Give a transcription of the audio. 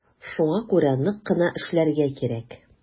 Шуңа күрә нык кына эшләргә кирәк.